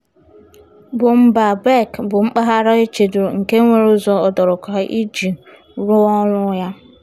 Boumba Bek bụ mpaghara echedoro nke nwere ụzọ ọdụrụkọ iji rụọ ọrụ ya.